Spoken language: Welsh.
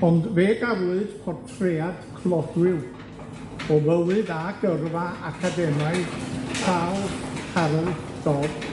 Ond fe gafwyd portread clodwiw o fywyd a gyrfa academaidd Tal Harold Dodd,